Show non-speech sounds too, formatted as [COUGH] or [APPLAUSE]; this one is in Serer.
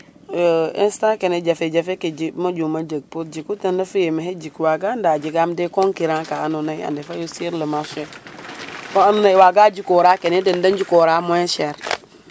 [HESITATION] instant kene jafe-jafe ke moƴuuma jeg pour jiku ten refu yee maxey jikwaa gar ndaa jegaam des concurent ka andoona yee a ndefaayo sur le marcher bo andoona yee waaga jikoora kene den da njikoora moyen chere